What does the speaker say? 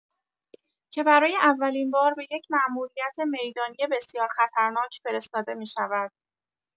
که برای اولین بار به یک ماموریت می‌دانی بسیار خطرناک فرستاده می‌شود.